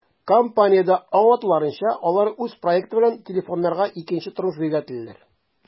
Компаниядә аңлатуларынча, алар үз проекты белән телефоннарга икенче тормыш бирергә телиләр.